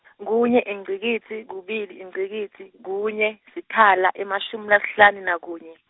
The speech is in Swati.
kunye ingcikitsi, kubili ingcikitsi, kunye, sikhala emashumi lasihlanu nakunye.